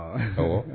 Ayiwa